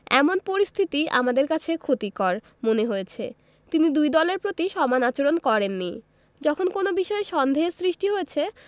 এমন পরিস্থিতি আমাদের কাছে ক্ষতিকর মনে হয়েছে তিনি দুই দলের প্রতি সমান আচরণ করেননি যখন কোনো বিষয়ে সন্দেহের সৃষ্টি হয়েছে